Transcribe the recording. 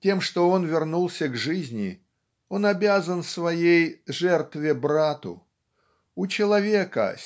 Тем, что он вернулся к жизни, он обязан своей жертве-брату У человека